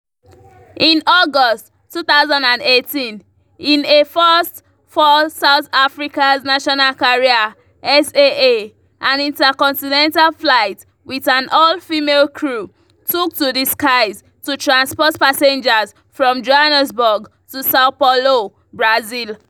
In August 2018, in a first for South Africa's national carrier SAA, an intercontinental flight with an all-female crew took to the skies to transport passengers from Johannesburg to Sao Paulo, Brazil.